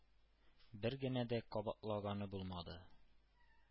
Бер генә дә кабатлаганы булмады.